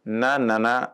N nana